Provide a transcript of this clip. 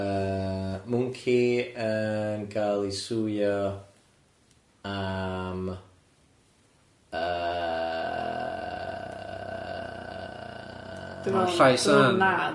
Yy mwnci yn ga'l ei sueio am yy yy yy llais yna?